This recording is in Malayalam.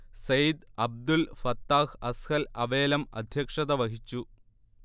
സയ്ദ് അബ്ദുൽ ഫത്താഹ് അസ്ഹൽ അവേലം അധ്യക്ഷത വഹിച്ചു